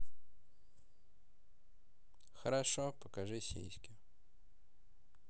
хорошо покажи сиськи